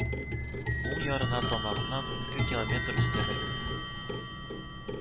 Уң ярына тамагыннан унике километр өстәрәк